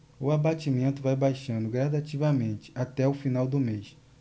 o abatimento vai baixando gradativamente até o final do mês